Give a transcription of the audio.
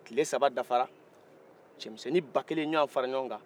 tile saba dafara cɛminsɛnin ba kelen ye ɲɔgɔn fara ɲɔgɔn kan